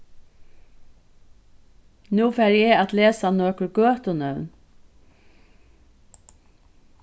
nú fari eg at lesa nøkur gøtunøvn